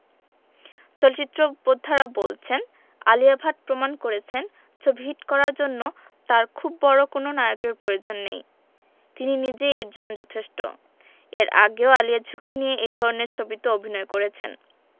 চলচ্চিত্র বোদ্ধারা বলছেন আলিয়া ভাট প্রমাণ করেছেন ছবি হিট করার জন্য তার খুব বড় কোনো নায়কের প্রয়োজন নেই তিনি নিজেই এর জন্য যথেষ্ট এর আগেও আলিয়া ঝুঁকি নিয়ে এ ধরনের ছবিতে অভিনয় করেছেন